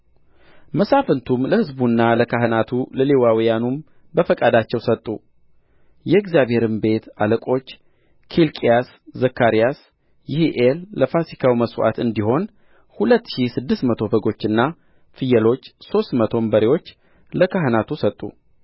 መሳፍንቱም ለሕዝቡና ለካህናቱ ለሌዋውያኑም በፈቃዳቸው ሰጡ የእግዚአብሔርም ቤት አለቆች ኬልቂያስ ዘካሪያስ ይሒኤል ለፋሲካው መሥዋዕት እንዲሆን ሁለት ሺህ ስድስት መቶ በጎችና ፍየሎች ሦስት መቶም በሬዎች ለካህናቱ ሰጡ